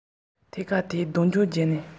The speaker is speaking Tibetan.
རྒྱུགས རྒྱུགས རྒྱུགས